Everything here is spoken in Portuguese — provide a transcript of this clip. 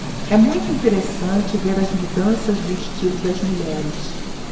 é muito interessante ver as mudanças do estilo das mulheres